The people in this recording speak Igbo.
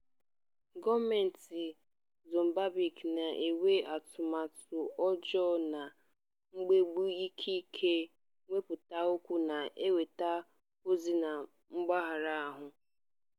Gọọmentị Mozambique na-ehiwe atụmatụ ọjọọ na mmegbu ikike nkwupụta okwu na nnweta ozi na mpaghara ahụ.